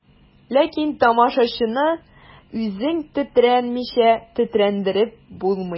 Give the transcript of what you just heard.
Ләкин тамашачыны үзең тетрәнмичә тетрәндереп булмый.